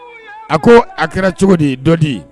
A ko a kɛra cogo di dɔ di